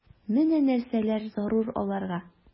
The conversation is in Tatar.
Менә нәрсәләр зарур аларга...